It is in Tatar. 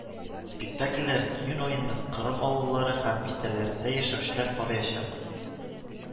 Спектакльләрен июнь аенда кырым авыллары һәм бистәләрендә яшәүчеләр карыячак